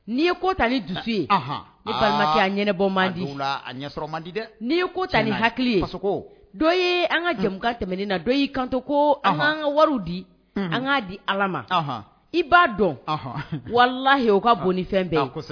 N'i ye ko tali dusu ye abɔ ma di di dɛ n'i ye ko tali hakili dɔ ye an ka jamu tɛmɛnen na dɔ y'i kanto ko anan ka wari di an k'a di ala ma i b'a dɔn walayi u ka bon ni fɛn bɛ